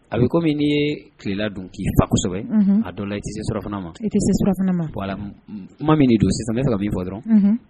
A bɛ komi min n'i ye tilela don k'i fasɛbɛ a dɔ i tɛse sufana ma i tɛse sufana ma kuma min don sisan ne ka b'i bɔ dɔrɔn